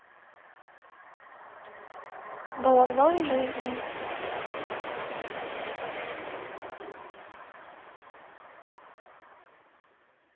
головной жизни